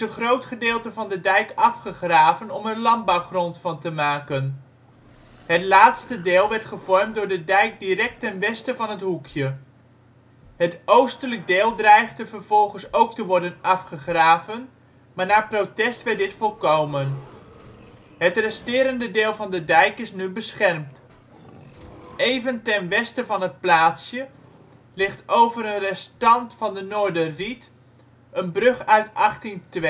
groot gedeelte van de dijk afgegraven om er landbouwgrond van te maken; het laatste deel werd gevormd door de dijk direct ten westen van het Hoekje. Het oostelijk deel dreigde vervolgens ook te worden afgegraven, maar na protest werd dit voorkomen. Het resterende deel van de dijk is nu beschermd. Even ten westen van het plaatsje ligt over een restant van de Noorderried een brug uit 1802